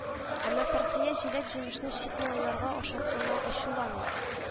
Әмма Фәрхия җиләк-җимешне чит малайларга ашатканга ачуланмый